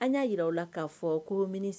An y'a jira u la k'a fɔ ko mini